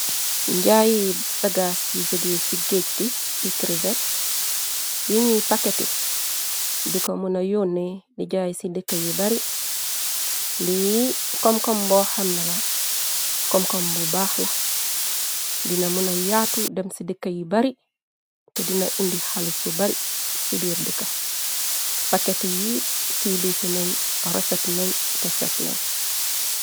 Njaayi bagaas yu jógee ci géej gi, ikrivet yiñuy pakete, diko muna yonne di jaay ci dëkka yi bari. Lii kom kom boo xamna la, koom kom bu baax la. Dina mu na yaatu dem ci dëkka yu bari, te dina indi xalis bu bari ci biir dëkka. Pakete yi cilwise nañ, refet nañ, te set nañ.